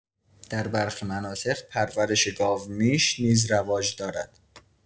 در برخی مناطق، پرورش گاومیش نیز رواج دارد.